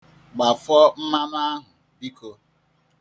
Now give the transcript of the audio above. Gbafọ mmanụ ahụ, biko.